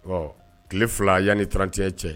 Ɔ tile 2 yanni 31 cɛ.